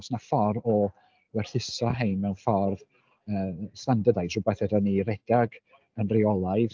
Oes 'na ffordd o werthuso hein mewn ffordd yy standardised, rywbeth fedra ni redeg yn reolaidd.